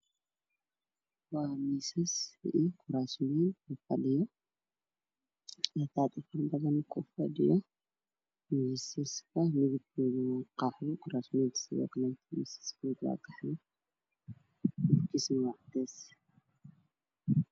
Waa miisaas iyo kuraasooyin ee ku fadhiyaan dad badan miisaska waxaa u saaran biyo caafi kuraasta waxaa ku fadhiya dad badan